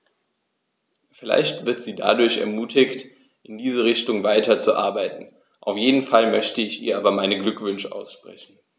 Vielleicht wird sie dadurch ermutigt, in diese Richtung weiterzuarbeiten, auf jeden Fall möchte ich ihr aber meine Glückwünsche aussprechen.